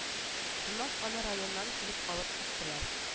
Шуннан аны районнан килеп алып киттеләр